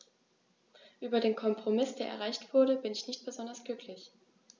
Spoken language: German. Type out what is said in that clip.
Über den Kompromiss, der erreicht wurde, bin ich nicht besonders glücklich.